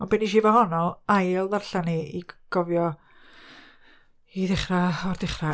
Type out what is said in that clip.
Ond be nes i efo hon oedd ailddarllan hi i gofio, i ddechrau o'r dechra